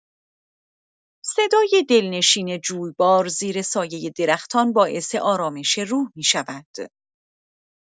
صدای دلنشین جویبار زیر سایه درختان باعث آرامش روح می‌شود.